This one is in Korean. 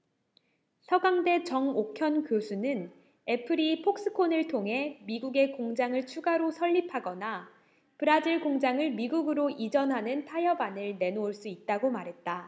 서강대 정옥현 교수는 애플이 폭스콘을 통해 미국에 공장을 추가로 설립하거나 브라질 공장을 미국으로 이전하는 타협안을 내놓을 수 있다고 말했다